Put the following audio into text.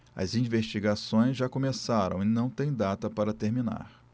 as investigações já começaram e não têm data para terminar